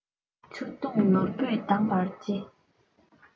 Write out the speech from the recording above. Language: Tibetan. ཆུ མདངས ནོར བུས དྭངས པར བྱེད